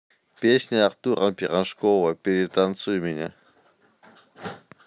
песня артура пирожкова перетанцуй меня